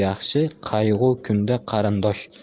yaxshi qayg'u kunda qarindosh